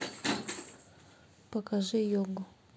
покажи йогу